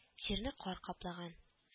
Җирне кар каплаган